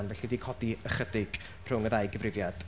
felly 'di codi ychydig rhwng y ddau gyfrifiad.